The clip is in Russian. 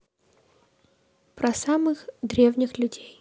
про самых древних людей